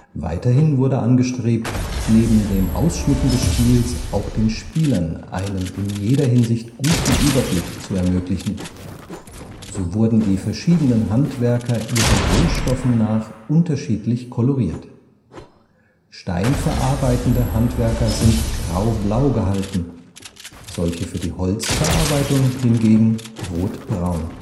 Weiterhin wurde angestrebt, neben dem Ausschmücken des Spiels auch den Spielern einen in jeder Hinsicht guten Überblick zu ermöglichen. So wurden die verschiedenen Handwerker ihren Rohstoffen nach unterschiedlich koloriert. Steinverarbeitende Handwerker sind graublau gehalten, solche für die Holzverarbeitung hingegen rotbraun